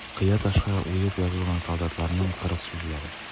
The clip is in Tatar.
Кыя ташка уеп язылган солдатларның кырыс сүзләре.